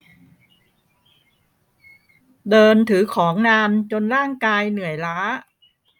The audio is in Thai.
เดินถือของนานจนร่างกายเหนื่อยล้า